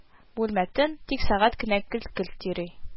Бүлмә тын, тик сәгать кенә келт-келт йөри